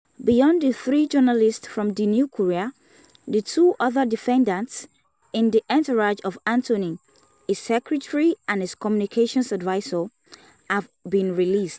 Beyond the three journalists from The New Courier, the two other defendants in the entourage of attorney (his secretary and his communications advisor) have been released.